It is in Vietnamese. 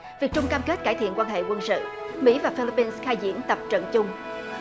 việt trung cam kết cải thiện quan hệ quân sự mỹ và phi líp bin khai diễn tập trận chung